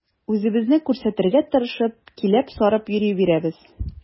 Үзебезне күрсәтергә тырышып, киләп-сарып йөри бирәбез.